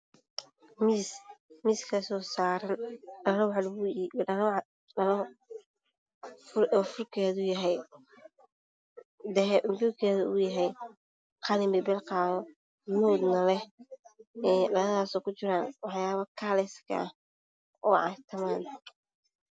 Waa miis waxaa saaran dhalo furkeedu waa qalin birbirqayo waxaa kujiro waxyaabaha carfa.